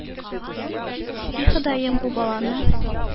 “и, ходаем, бу баланы